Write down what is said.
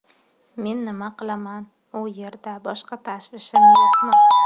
men nima qilaman u yerda boshqa tashvishim yo'qmi